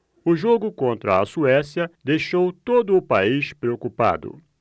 o jogo contra a suécia deixou todo o país preocupado